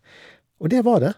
Og det var det.